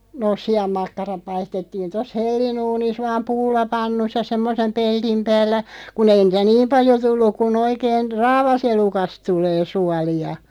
noo sianmakkarat paistettiin tuossa hellanuunissa vain pullapannussa semmoisen pellin päällä kun ei niitä niin paljon tullut kuin oikein raavaselukasta tulee suolia